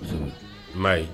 Hun i m'a ye